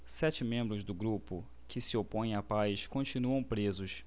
sete membros do grupo que se opõe à paz continuam presos